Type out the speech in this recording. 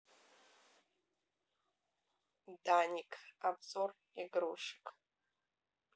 даник обзор игрушек